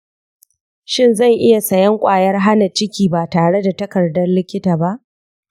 shin zan iya sayen kwayar hana ciki ba tare da takardar likita ba?